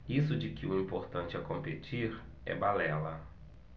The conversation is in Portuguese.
isso de que o importante é competir é balela